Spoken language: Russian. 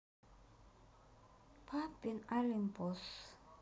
папин олимпос